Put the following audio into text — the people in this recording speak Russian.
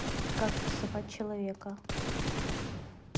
как рисовать человека